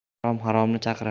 harom haromni chaqirar